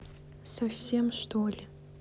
совсем что ли